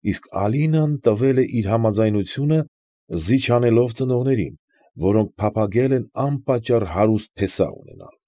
Իսկ Ալինան տվել էր իր համաձայնությունը, զիջանելով ծնողներին, որոնք փափագել են անպատճառ հարուստ փեսա ունենալ։